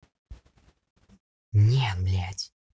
нет блядь